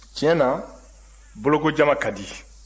tiɲɛ na bolokojama ka di